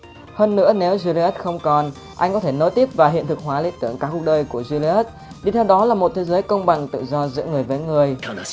hơn nữa nếu julius không còn anh có thể nối tiếp và hiện thực hóa lí tưởng cả cuộc đời của julius đi theo đó là thế giới công bằng tự do giữa người với người